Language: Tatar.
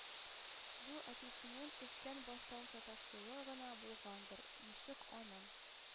Бу әтисенең эчкән баштан саташуы гына булгандыр, ничек аның